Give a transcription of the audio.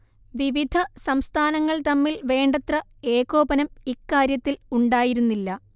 വിവിധ സംസ്ഥാനങ്ങൾ തമ്മിൽ വേണ്ടത്ര ഏകോപനം ഇക്കാര്യത്തിൽ ഉണ്ടായിരുന്നില്ല